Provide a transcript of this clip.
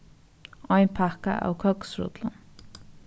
ein pakka av køksrullum